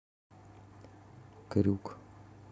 крюк